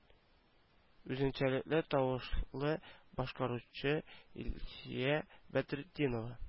Үзенчәлекле тавышлы башкаручы илсөя бәдретдинова